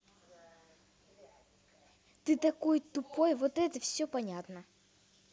ты такой тупой вот это все понятно